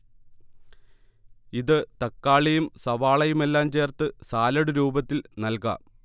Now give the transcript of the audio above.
ഇത് തക്കാളിയും സവാളയുമെല്ലാം ചേർത്ത് സാലഡ് രൂപത്തിൽ നൽകാം